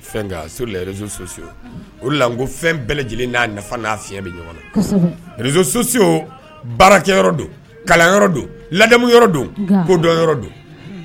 Fɛn kan sur les réseaux sociaux o de la n ko fɛn bɛɛ lajɛlen n'a nafa n'a fiɲɛ bɛ ɲɔgɔn na, réseaux sociaux baarakɛyɔrɔ don kalankɛyɔrɔ don ladamuyɔrɔ don kodɔnyɔrɔ don